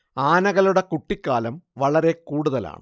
ആനകളുടെ കുട്ടിക്കാലം വളരെ കൂടുതലാണ്